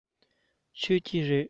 མཆོད ཀྱི རེད